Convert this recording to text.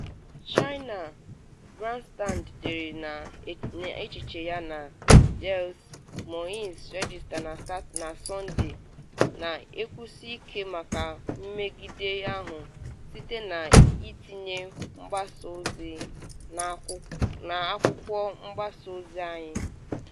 China, Branstad dere n’echiche ya na Des Moines Register na Sọnde, “na-ekwusi ike maka mmegide ahụ site na itinye mgbasa ozi n’akwụkwọ mgbasa ozi anyị.”